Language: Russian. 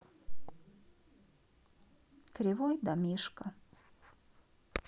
кривой домишка